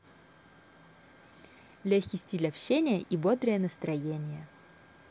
легкий стиль общения и бодрое настроение